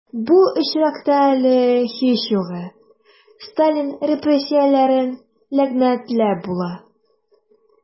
Бу очракта әле, һич югы, Сталин репрессияләрен ләгънәтләп була...